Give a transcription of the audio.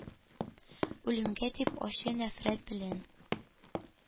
«үлемгә, дип, ачы нәфрәт белән